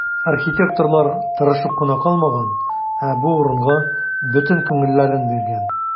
Архитекторлар тырышып кына калмаган, ә бу урынга бөтен күңелләрен биргән.